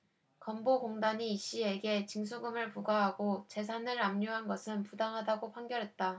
건보공단이 이씨에게 징수금을 부과하고 재산을 압류한 것은 부당하다고 판결했다